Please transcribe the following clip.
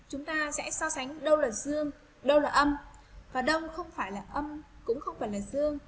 chúng ta sẽ so sánh đâu là dương đâu là âm đâu không phải là âm cũng không phải là dương